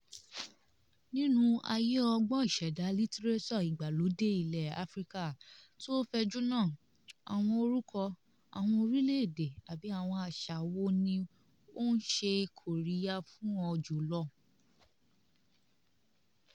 Nínú àyè ọgbọ́n ìṣẹ̀dá litiréṣọ̀ ìgbàlódé ilẹ̀ Áfíríkà tí ó fẹjú náà, àwọn orúkọ, àwọn orílẹ̀-èdè, àbí àwọn àṣà wo ni ó ń ṣe kóríyá fún ọ jùlọ?